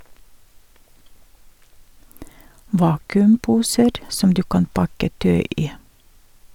- Vakuumposer som du kan pakke tøy i.